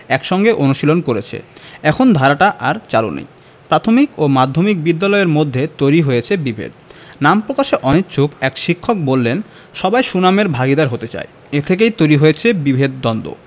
একসঙ্গে অনুশীলন করেছে এখন ধারাটি আর চালু নেই প্রাথমিক ও মাধ্যমিক বিদ্যালয়ের মধ্যে তৈরি হয়েছে বিভেদ নাম প্রকাশে অনিচ্ছুক এক শিক্ষক বললেন সবাই সুনামের ভাগীদার হতে চায় এ থেকেই তৈরি হয়েছে বিভেদ দ্বন্দ্ব